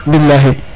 bilahi